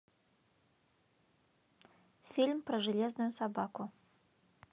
фильм про железную собаку